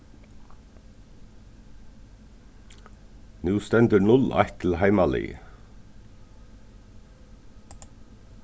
nú stendur null eitt til heimaliðið